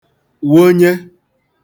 wonye